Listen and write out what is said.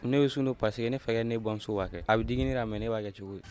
ne bɛ sun don paseke ne fakɛ ni ne bamuso b'a kɛ a bɛ digi ne la mɛ ne b'a kɛ cogo di